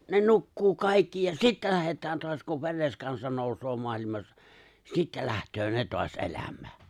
ne nukkuu kaikki ja sitten lähdetään taas kun veres kansa nousee maailmassa sitten lähtee ne taas elämään